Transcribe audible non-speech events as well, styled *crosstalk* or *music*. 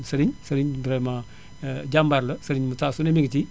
Serigne Serigne vraiment *hesitation* jàmbaar la Serigne mo saa su ne mi ngi ci